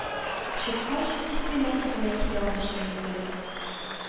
Чыккач, тиз генә исемә килә алмыйча йөрдем